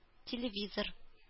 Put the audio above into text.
Телевизор